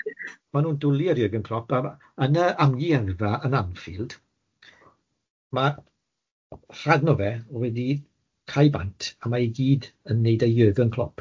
ma' nw'n dwli ar Jürgen Klopp ar yn y amgueddfa yn Anfield ma' rhan o fe wedi cau bant a mae i gyd yn neud â Jürgen Klopp.